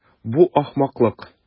Бу ахмаклык.